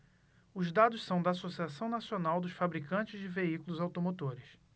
os dados são da anfavea associação nacional dos fabricantes de veículos automotores